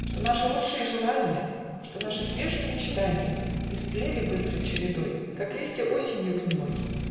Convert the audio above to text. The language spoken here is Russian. Что наши лучшие желанья, Что наши свежие мечтанья Истлели быстрой чередой, Как листья осенью гнилой.